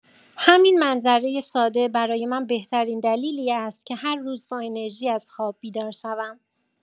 همین منظره ساده برای من بهترین دلیلی است که هر روز با انرژی از خواب بیدار شوم.